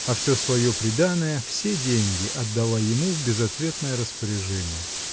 а все свое приданое, все деньги отдала ему в безответное распоряжение.